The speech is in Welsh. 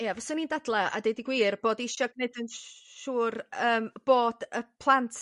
Ia fyswn i'n dadla' a deud y gwir bod isio g'neud yn siŵr yym bod y plant